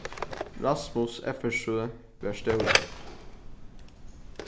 rasmus effersøe var stórur